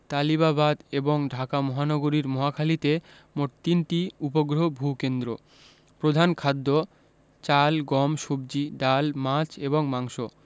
তালিবাবাদ এবং ঢাকা মহানগরীর মহাখালীতে মোট তিনটি উপগ্রহ ভূ কেন্দ্র প্রধান খাদ্যঃ চাল গম সবজি ডাল মাছ এবং মাংস